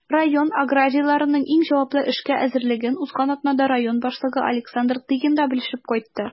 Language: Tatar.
Район аграрийларының иң җаваплы эшкә әзерлеген узган атнада район башлыгы Александр Тыгин да белешеп кайтты.